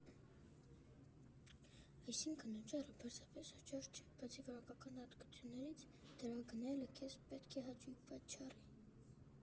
Այսինքն՝ օճառը պարզապես օճառ չէ, բացի որակական հատկություններից, դրա գնելը քեզ պետք է հաճույք պատճառի։